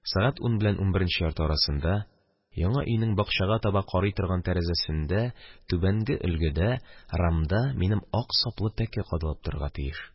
Сәгать ун белән унберенче ярты арасында, яңа өйнең бакчага таба карый торган тәрәзәсендә, түбәнге өлгедә, рамда минем ак саплы пәке кадалып торырга тиеш.